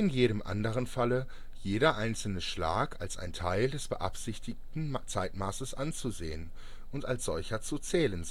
jedem anderen Falle, Jeder einzelne Schlag als ein Theil des beabsichtigten Zeitmasses anzusehen, und als solcher zu zählen